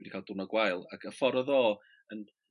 dw 'di ca'l dwnod gwael, ag yy ffor odd o yn